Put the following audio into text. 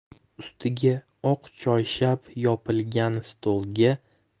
ustiga oq choyshab yopilgan stolga